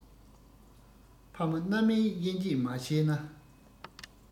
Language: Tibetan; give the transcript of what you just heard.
ཕ མ མནའ མའི དབྱེ འབྱེད མ ཤེས ན